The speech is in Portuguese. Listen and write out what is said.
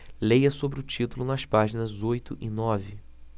leia sobre o título nas páginas oito e nove